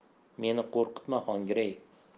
meni qo'rqitma xongirey